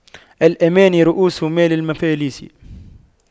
الأماني رءوس مال المفاليس